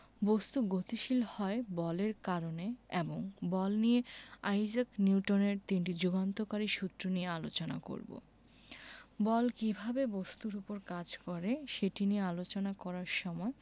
বস্তু গতিশীল হয় বলের কারণে এবং বল নিয়ে আইজাক নিউটনের তিনটি যুগান্তকারী সূত্র নিয়ে আলোচনা করব বল কীভাবে বস্তুর উপর কাজ করে সেটি নিয়ে আলোচনা করার সময়